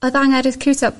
Odd angen ricriwtio